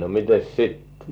no mitenkäs sitten